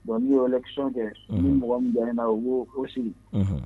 Bon n' yɛrɛlɛ kisɔn kɛ ni mɔgɔ min o sigi